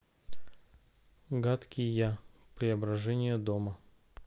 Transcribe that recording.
гадкий я преображение дома